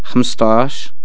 خمسطاش